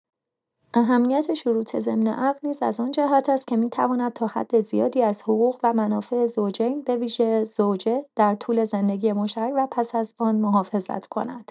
اهمیت شروط ضمن عقد نیز از آن جهت است که می‌تواند تا حد زیادی از حقوق و منافع زوجین، به‌ویژه زوجه، در طول زندگی مشترک و پس از آن محافظت کند.